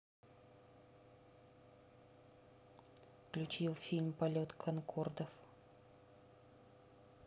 включи фильм полет конкордов